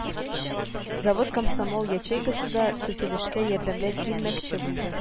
Завод комсомол ячейкасы да төзелешкә ярдәмгә кил-мәкче булды